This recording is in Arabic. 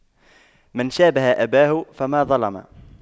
من شابه أباه فما ظلم